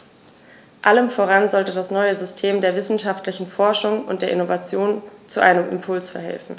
Allem voran sollte das neue System der wissenschaftlichen Forschung und der Innovation zu einem Impuls verhelfen.